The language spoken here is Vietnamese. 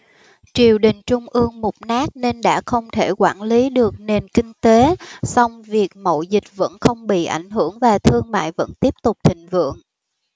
triều đình trung ương mục nát nên đã không thể quản lý được nền kinh tế song việc mậu dịch vẫn không bị ảnh hưởng và thương mại vẫn tiếp tục thịnh vượng